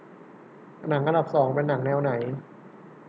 หนังอันดับสองเป็นหนังแนวไหน